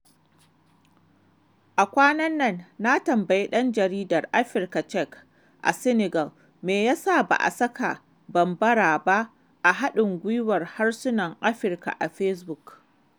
A kwanan nan na tambayi ɗan jaridar 'Africa Check' a Senegal me ya sa ba a saka Bambara ba a haɗin gwiwar harsunan Afirka a fesbuk.